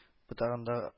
Ботагында